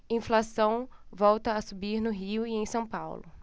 inflação volta a subir no rio e em são paulo